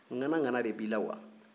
ŋanaŋana de bɛ i la wa